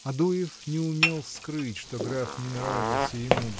Адуев не умел скрыть, что граф не нравился ему.